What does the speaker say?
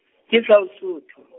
ke South Sotho .